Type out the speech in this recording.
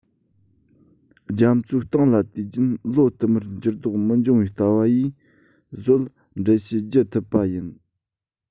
རྒྱ མཚོའི གཏིང ལ དུས རྒྱུན ལོ དུ མར འགྱུར ལྡོག མི འབྱུང བའི ལྟ བ ཡིས གཟོད འགྲེལ བཤད བགྱི ཐུབ པ ཡིན